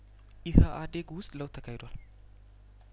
ኢህአዴግ ውስጥ ለውጥ ተካሂዷል